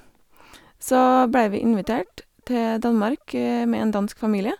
Så ble vi invitert til Danmark med en dansk familie.